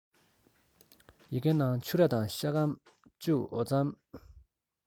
ཡི གེའི ནང ཕྱུར ར དང ཤ སྐམ འོ ཕྱེ